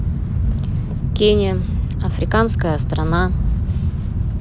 кения африканская страна